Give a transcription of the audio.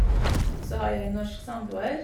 Og så har jeg norsk samboer.